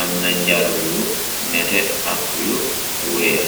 am na njar yu nete ak yu weex.